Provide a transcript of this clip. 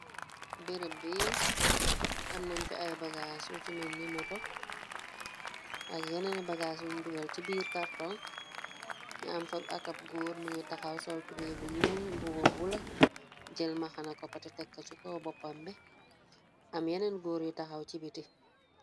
Berëb bi am nañu fa ay bagaas yu ci menni moto ak yenen bagaas yuñ dugal ci biir kàrtoŋ ñi am fa ab gór mu ngi taxaw sol tubay bu ñuul mbubu bula jël mbaxana kopote tek ci kaw bópambi am yenen gór yi taxaw ci biti.